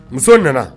Muso nana